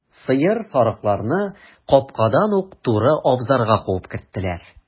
Сыер, сарыкларны капкадан ук туры абзарга куып керттеләр.